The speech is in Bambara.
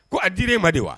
Ko a dir'e ma de wa